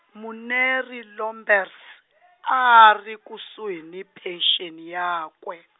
Muneri Lomberse, a a ri kusuhi ni phenxeni yakwe.